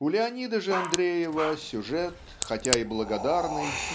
у Леонида же Андреева сюжет хотя и благодарный